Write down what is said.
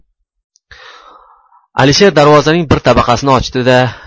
alisher darvozaning bir tabaqasini ochdi da